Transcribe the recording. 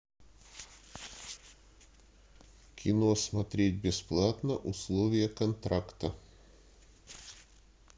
кино смотреть бесплатно условия контракта